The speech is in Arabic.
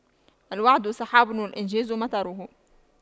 الوعد سحاب والإنجاز مطره